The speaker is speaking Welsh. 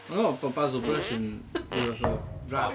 Oni'n meddwl bod Basil Brush yn ryw fath o rat.